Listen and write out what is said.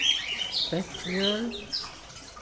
speltmjøl